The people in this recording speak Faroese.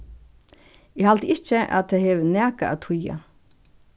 eg haldi ikki at tað hevur nakað at týða